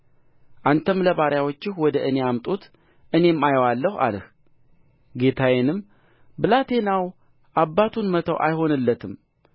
አንተም ለባሪያዎችህ ወደ እኔ አምጡት እኔም አየዋለሁ አልህ ጌታዬንም ብላቴናው አባቱን መተው አይሆንለትም